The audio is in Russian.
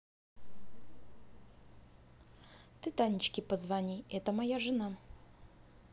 ты танечки позвони это моя жена